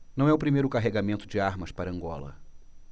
não é o primeiro carregamento de armas para angola